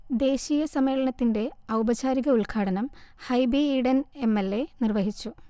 ദേശീയ സമ്മേളനത്തിന്റെ ഔപചാരിക ഉൽഘാടനം Hibi Eden M L A നിർവഹിച്ചു